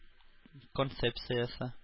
Концепциясе